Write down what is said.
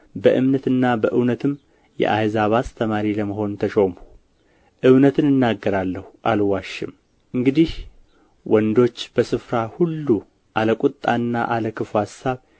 በእምነትና በእውነትም የአሕዛብ አስተማሪ ለመሆን ተሾምሁ እውነት እናገራለሁ አልዋሽም እንግዲህ ወንዶች በስፍራ ሁሉ አለ ቍጣና አለ ክፉ አሳብ